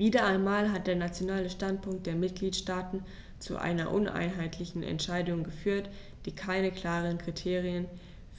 Wieder einmal hat der nationale Standpunkt der Mitgliedsstaaten zu einer uneinheitlichen Entscheidung geführt, die keine klaren Kriterien